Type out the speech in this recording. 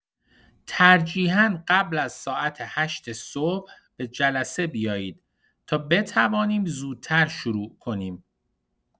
ترجیحا قبل از ساعت هشت صبح به جلسه بیایید تا بتوانیم زودتر شروع کنیم.